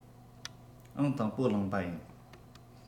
ཨང དང པོ བླངས པ ཡིན